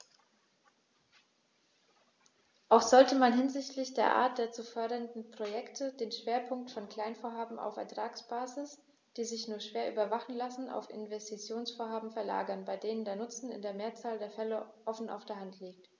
Auch sollte man hinsichtlich der Art der zu fördernden Projekte den Schwerpunkt von Kleinvorhaben auf Ertragsbasis, die sich nur schwer überwachen lassen, auf Investitionsvorhaben verlagern, bei denen der Nutzen in der Mehrzahl der Fälle offen auf der Hand liegt.